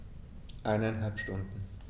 Eineinhalb Stunden